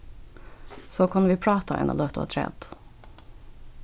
so kunnu vit práta eina løtu afturat